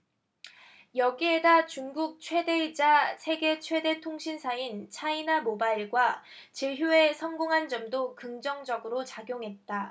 여기에다 중국 최대이자 세계 최대 통신사인 차이나모바일과 제휴에 성공한 점도 긍정적으로 작용했다